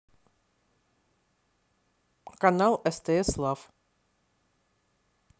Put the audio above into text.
канал стс лав